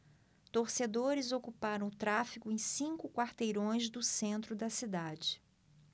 torcedores ocuparam o tráfego em cinco quarteirões do centro da cidade